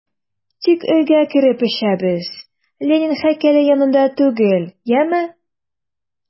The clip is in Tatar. Тик өйгә кереп эчәбез, Ленин һәйкәле янында түгел, яме!